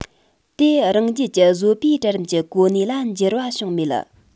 དེས རང རྒྱལ གྱི བཟོ པའི གྲལ རིམ གྱི གོ གནས ལ འགྱུར བ བྱུང མེད